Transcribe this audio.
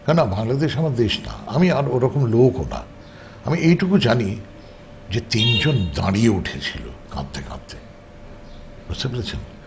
কেননা বাংলাদেশ আমার দেশ না আমি আর ওরকম লোক ও না আমি এইটুকু জানি যে তিনজন দাঁড়িয়ে উঠেছিল কাঁদতে কাঁদতে বুঝতে পেরেছেন